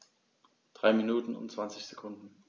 3 Minuten und 20 Sekunden